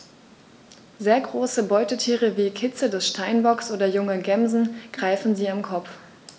Sehr große Beutetiere wie Kitze des Steinbocks oder junge Gämsen greifen sie am Kopf.